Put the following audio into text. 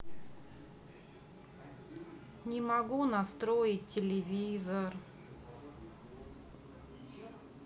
не могу настроить телевизор